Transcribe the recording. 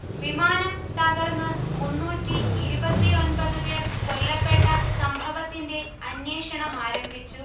വിമാനം തകർന്ന്മൂന്നൂറ്റി ഇരുപത്തിയൊന്പത് പേർ കൊല്ലപ്പെട്ട സംഭവത്തിന്റെ അന്വേഷണമാരംഭിച്ചു